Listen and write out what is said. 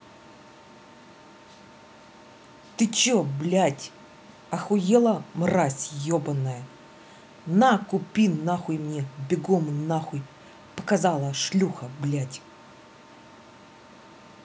ты че блядь ахуела мразь ебаная на купи нахуй мне бегом нахуй показала шлюха блядь